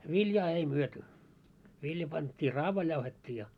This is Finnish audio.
viljaa ei myyty vilja pantiin raavaille jauhettiin ja